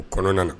U kɔnɔna na